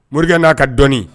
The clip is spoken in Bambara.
Morikɛ n'a ka dɔni